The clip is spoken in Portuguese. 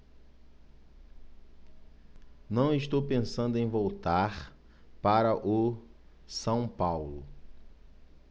não estou pensando em voltar para o são paulo